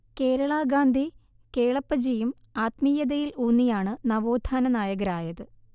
കേരള ഗാന്ധി കേളപ്പജിയും ആത്മീയതയിൽ ഊന്നിയാണ് നവോത്ഥാന നായകരായത്